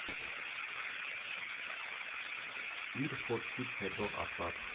Իր խոսքից հետո ասաց.